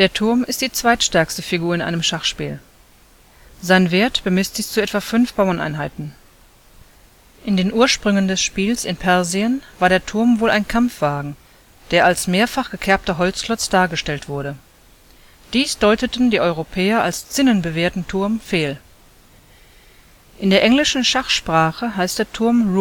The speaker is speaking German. Turm ist die zweitstärkste Figur in einem Schachspiel. Sein Wert bemisst sich zu etwa fünf Bauerneinheiten. In den Ursprüngen des Spiels in Persien war der Turm wohl ein Kampfwagen, der als mehrfach gekerbter Holzklotz dargestellt wurde. Dies deuteten die Europäer als zinnenbewehrten Turm fehl. In der englischen Schachsprache heißt der Turm